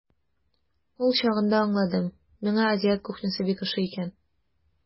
Ул чагында аңладым, миңа азиат кухнясы бик ошый икән.